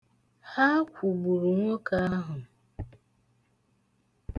Ha kwụgburu nwoke ahụ.